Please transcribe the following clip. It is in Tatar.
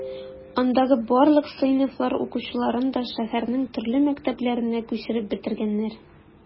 Андагы барлык сыйныфлар укучыларын да шәһәрнең төрле мәктәпләренә күчереп бетергәннәр.